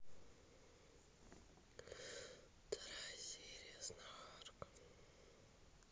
вторая серия знахарка